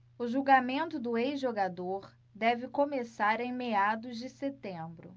o julgamento do ex-jogador deve começar em meados de setembro